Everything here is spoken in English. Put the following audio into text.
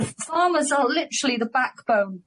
Farmers are literally the backbone